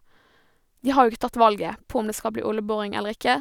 De har jo ikke tatt valget på om det skal bli oljeboring eller ikke.